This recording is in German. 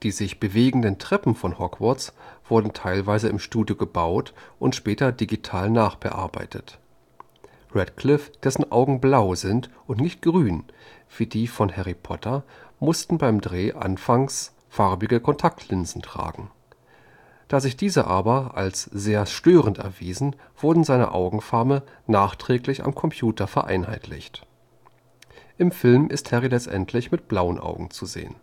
sich bewegenden Treppen von Hogwarts wurden teilweise im Studio gebaut und später digital nachbearbeitet. Radcliffe, dessen Augen blau sind und nicht grün wie die von Harry Potter, musste beim Dreh anfangs farbige Kontaktlinsen tragen. Da sich diese als sehr störend erwiesen, wurde seine Augenfarbe nachträglich am Computer vereinheitlicht. Im Film ist Harry letztlich mit blauen Augen zu sehen